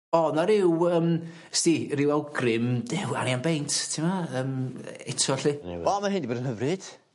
O'dd 'na ryw yym 'sdi ryw awgrym Duw awn ni am beint t'mo' yym eto 'lly. O ma' hyn 'di bod yn hyfryd.